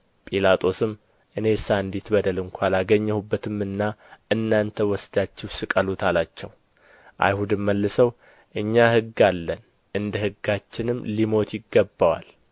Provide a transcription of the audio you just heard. ጲላጦስም እኔስ አንዲት በደል ስንኳ አላገኘሁበትምና እናንተ ወስዳችሁ ስቀሉት አላቸው አይሁድም መልሰው እኛ ሕግ አለን እንደ ሕጋችንም ሊሞት ይገባዋል